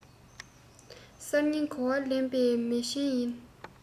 གསར རྙིང གོ བ ལོན པའི མི ཆེན ཡིན